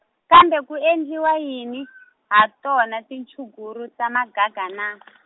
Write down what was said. kambe ku endliwa yini, ha tona tinchuguru ta magaga na?